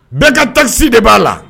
Bɛɛ ka tasi de b'a la